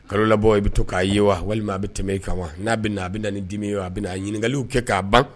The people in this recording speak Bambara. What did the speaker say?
Kalo labɔ i bɛ to k'a ye wa walima a bɛ tɛmɛ e kan wa n'a bɛ na a bɛ na nin d dimi ye a bɛ a ɲininkakaliw kɛ k'a ban